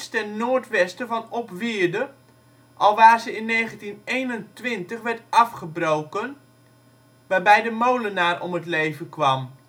ten noordwesten van Opwierde, alwaar ze in 1921 werd afgebroken (waarbij de molenaar om het leven kwam